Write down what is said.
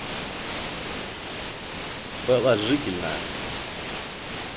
положительно